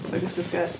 So gwisgo sgert.